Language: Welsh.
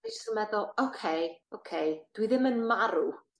fi jyst yn meddwl oce, oce dwi ddim yn marw.